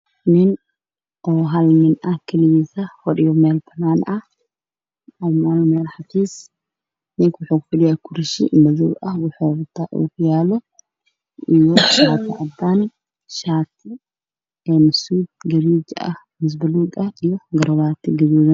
Nin oo hal nin ah kaligiis ah fadhiyo meel banaan ah wuxuu jooga xafiis ninka wuxuu ku fadhiyaa kursi madoow ah waxa uu wataa oo kiyaalo iyo shaati cadaan suud guduud ah iyo garabaati gaduudan